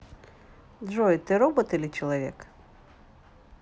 джой ты робот или человек